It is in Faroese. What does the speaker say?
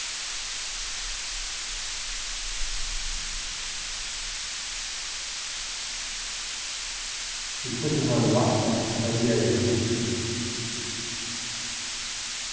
vit fyltu tað við vatni inntil tað vigaði eitt kilo